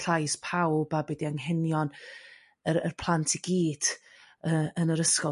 llais pawb a be 'di anghenion yr y plant i gyd yrr yn yr ysgol